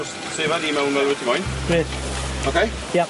Jyst sefa di mewn fel wyt ti moyn. Reit. Oce? Ia.